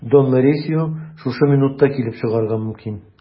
Дон Морисио шушы минутта килеп чыгарга мөмкин.